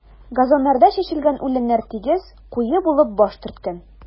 Газоннарда чәчелгән үләннәр тигез, куе булып баш төрткән.